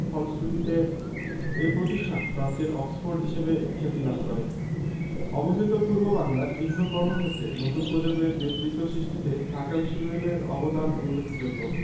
ফলশ্রুতিতে এ প্রতিষ্ঠান প্রাচ্যের অক্সফোর্ড হিসেবে খ্যাতি লাভ করে অবহেলিত পূর্ববাংলার বিভিন্ন কর্মক্ষেত্রে নতুন প্রজন্মের নেতৃত্ব সৃষ্টিতে ঢাকা বিশ্ববিদ্যালয়ের অবদান উল্লেখযোগ্য